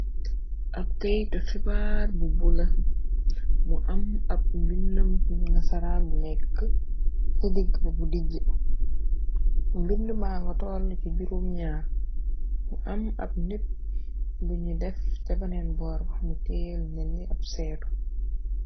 ab keytu xibaar bu bula mu am ab mbind nga saraan bu nekk ci diggb bu dijj mbind maa nga toll ci juruom ñaar mu am ab nip bunu def cabaneen borx mu teelu mendi ab seetu